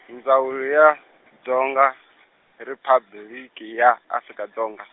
Ndzawulo ya Dzonga, Riphabliki ya Afrika Dzonga.